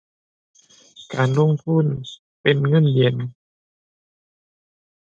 การลงทุน เป็นเงินเย็น